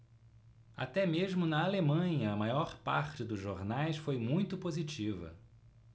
até mesmo na alemanha a maior parte dos jornais foi muito positiva